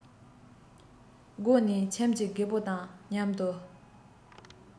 སྒོ ནས ཁྱིམ གྱི རྒད པོ དང མཉམ དུ